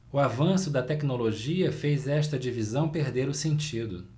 o avanço da tecnologia fez esta divisão perder o sentido